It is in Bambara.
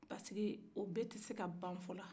sabula o bɛ tɛ se ka ban fɔ la